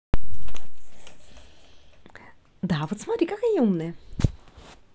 да вот смотри какая я умная